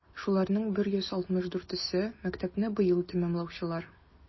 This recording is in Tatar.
Шуларның 164е - мәктәпне быел тәмамлаучылар.